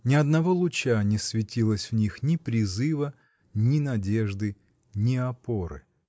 Ни одного луча не светилось в них, ни призыва, ни надежды, ни опоры.